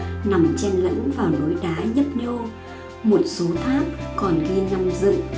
nằm chen lẫn vào núi đá nhấp nhô một số tháp còn ghi năm dựng